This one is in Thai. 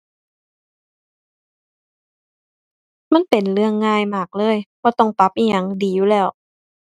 มันเป็นเรื่องง่ายมากเลย บ่ต้องปรับอิหยัง ดีอยู่แล้ว